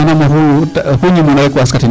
Maanam oxu ñimuuna rek waaskatino.